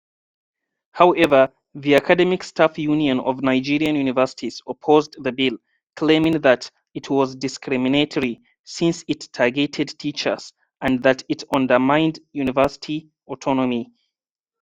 However, the Academic Staff Union of Nigerian Universities opposed the bill, claiming that it was discriminatory since it targeted teachers and that it undermined university autonomy.